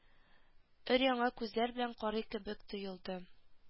Өр-яңа күзләр белән карый кебек тоелды